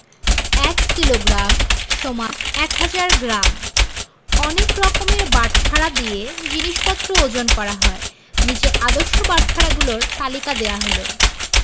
১ kilogram = ১০০০ gram অনেক রকমের বাটখারা দিয়ে জিনিস ওজন করা হয় নিচে আদর্শ বাটখারাগুলোর তালিকা দেয়া হলঃ